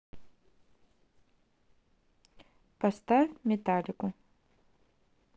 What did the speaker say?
поставь металлику